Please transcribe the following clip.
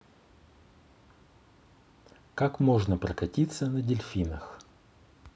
как можно прокатиться на дельфинах